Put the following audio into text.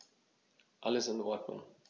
Alles in Ordnung.